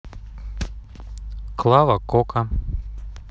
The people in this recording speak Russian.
клава кока